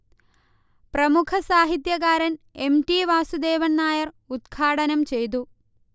പ്രമുഖസാഹിത്യകാരൻ M. T. Vasudevan Nair ഉദ്ഘാടനം ചെയ്തു